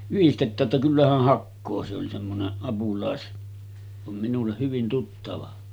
yhdistetään että kyllä hän hakee se oli semmoinen - vaan minulle hyvin tuttava